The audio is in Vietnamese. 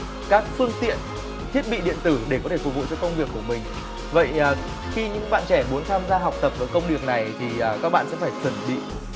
các phương tiện thiết bị điện tử để có thể phục vụ cho công việc của mình vậy khi những bạn trẻ muốn tham gia học tập với công việc này thì các bạn sẽ phải chuẩn bị